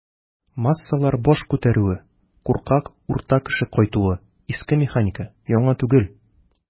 "массалар баш күтәрүе", куркак "урта кеше" кайтуы - иске механика, яңа түгел.